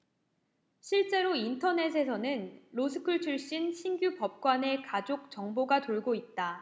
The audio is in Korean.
실제로 인터넷에는 로스쿨 출신 신규 법관의 가족 정보가 돌고 있다